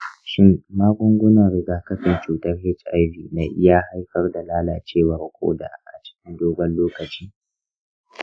shin magungunan rigakafin cutar hiv na iya haifar da lalacewar koda a cikin dogon lokaci?